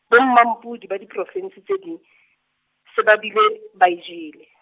bo mampodi ba diprovinse tse ding , se ba bile, ba e jele.